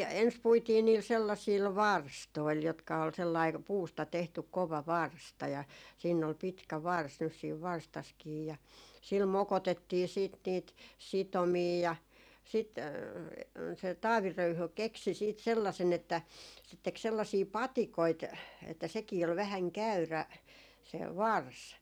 ensin puitiin niillä sellaisilla varstoilla jotka oli sellainen puusta tehty kova varsta ja siinä oli pitkä varsi nyt siinä varstassakin ja sillä mokotettiin sitten niitä sitomia ja sitten se Taavi Röyhy keksi sitten sellaisen että se teki sellaisia patikoita että sekin oli vähän käyrä se varsi